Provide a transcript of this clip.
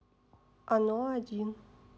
оно один